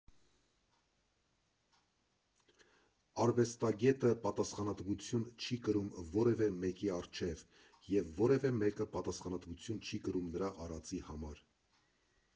Արվեստագետը պատասխանատվություն չի կրում որևէ մեկի առջև, և որևէ մեկը պատասխանատվություն չի կրում նրա արածի համար։